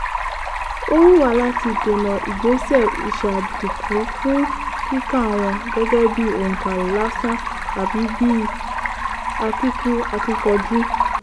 Ó wù wá láti dènà ìgbésẹ̀ ìṣàdínkù fún kíkà wọ́n gẹ́gẹ́ bíi òǹkà lásán àbí bíi akíkú-akíkanjú.